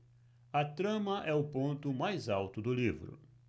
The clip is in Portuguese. a trama é o ponto mais alto do livro